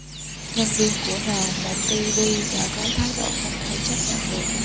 nhân viên của n một tv đã có thái độ không thể chấp nhận được